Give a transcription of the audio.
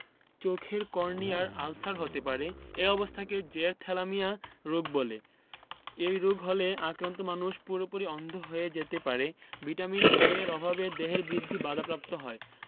চোখের কর্নিয়ায় আলসার হতে পারে এ অবস্থাকে জেরপ্থ্যালমিয়া রোগ বলে এই রোগ হলে আক্রান্ত মানুষ পুরোপুরি অন্ধ হয়ে যেতে পারে ভিটামিন A এর অভাবে দেহের বৃদ্ধি বাধাপ্রাপ্ত হয়